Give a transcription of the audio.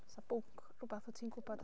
Oes 'na bwnc rywbeth wyt ti'n gwybod am?